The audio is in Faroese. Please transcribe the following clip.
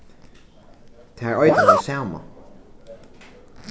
tær eita tað sama